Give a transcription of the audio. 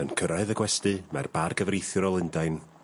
Yn cyrraedd y gwesty mae'r bar gyfreithiwr o Lundain...